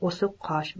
o'siq qosh